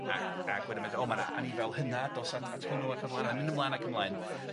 A- ag wedyn ma' deud o ma' 'na anifail hynna dos at at hwnnw ac yn y blaen mae'n mynd ymlaen ac ymlaen.